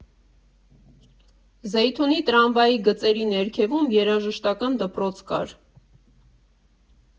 Զեյթունի տրամվայի գծերի ներքևում երաժշտական դպրոց կար։